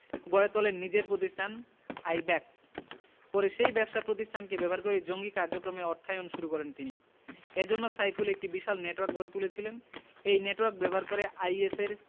গড়ে তোলেন নিজের পতিষ্ঠান আইব্যাকস পরে সেই ব্যবসা প্রতিষ্ঠানকে ব্যবহার করেই জঙ্গি কার্যক্রমে অর্থায়ন শুরু করেন তিনি এ জন্য সাইফুল একটি বিশাল নেটওয়ার্ক গড়ে তুলেছিলেন এই নেটওয়ার্ক ব্যবহার করে আইএসের